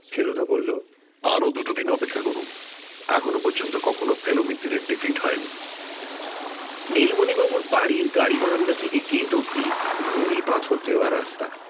ফেলুদা বলল আরও দুটো দিন অপেক্ষা করুন এখন পর্যন্ত কখনও ফেলুমিত্তিরের ডিফিট হয়নি নীলমণিবাবুর বাড়ির গাড়িবারান্দা থেকে গেট অবধি নুড়ি পাথর দেওয়া রাস্তা